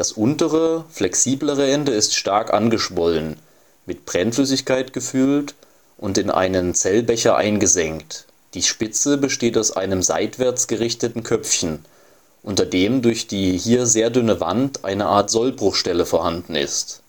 untere, flexiblere Ende ist stark angeschwollen, mit Brennflüssigkeit gefüllt und in einen Zellbecher eingesenkt, die Spitze besteht aus einem seitwärts gerichteten Köpfchen, unter dem durch die hier sehr dünne Wand eine Art Sollbruchstelle vorhanden ist